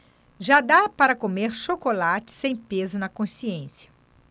já dá para comer chocolate sem peso na consciência